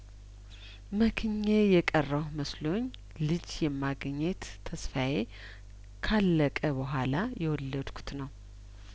መክኜ የቀረሁ መስሎኝ ልጅ የማግኘት ተስፋዬ ካለቀ በኋላ የወለድኩት ነው